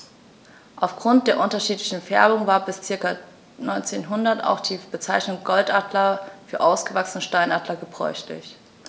Auf Grund der unterschiedlichen Färbung war bis ca. 1900 auch die Bezeichnung Goldadler für ausgewachsene Steinadler gebräuchlich.